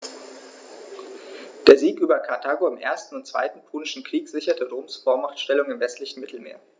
Der Sieg über Karthago im 1. und 2. Punischen Krieg sicherte Roms Vormachtstellung im westlichen Mittelmeer.